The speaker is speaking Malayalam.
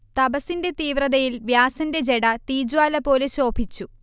തപസ്സിന്റെ തീവ്രതയിൽ വ്യാസന്റെ ജട തീജ്വാലപോലെ ശോഭിച്ചു